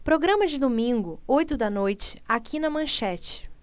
programa de domingo oito da noite aqui na manchete